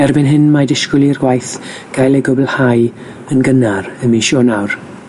Erbyn hyn mae disgwl i'r gwaith gael ei gwblhau yn gynnar ym mis Ionawr.